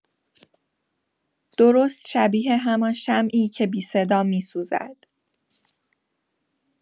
درست شبیه همان شمعی که بی‌صدا می‌سوزد.